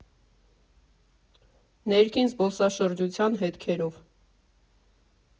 Ներքին զբոսաշրջության հետքերով։